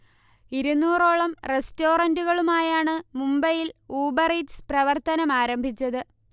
ഇരുന്നൂറോളം ഓളം റെസ്റ്ററന്റുകളുമായി ആണ് മുംബൈയിൽ ഊബർ ഈറ്റ്സ് പ്രവർത്തനം ആരംഭിച്ചത്